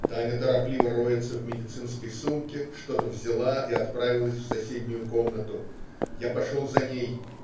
Таня торопливо роется в медицинской сумке, что-то взяла и отправилась в соседнюю комнату. Я пошел за ней.